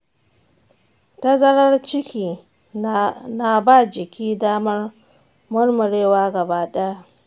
tazarar ciki na ba jiki damar murmurewa gaba ɗaya.